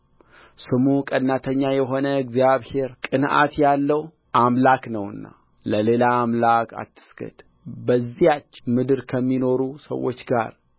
ስሙ ቀናተኛ የሆነ እግዚአብሔር ቅንዓት ያለው አምላክ ነውና ለሌላ አምላክ አትስገድ በዚያች ምድር ከሚኖሩ ሰዎች ጋር